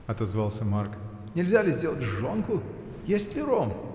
— отозвался Марк, — нельзя ли сделать жжёнку? Есть ли ром?